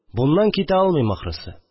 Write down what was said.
Буннан китә алмыйм, ахрысы